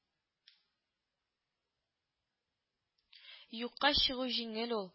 Юкка чыгу җиңел ул